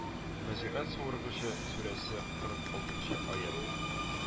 Нәзигат Суыргучы сүрәсе кырык алтынчы аять